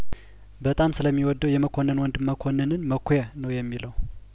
በጣም ስለሚ ወደው የመኮንን ወንድም መኮንንን መኳ ነው የሚለው